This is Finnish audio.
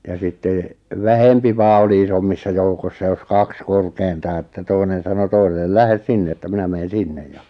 ja sitten vähempi vain oli isommissa joukoissa jos kaks korkeintaan että toinen sanoi toiselle lähde sinne että minä menen sinne ja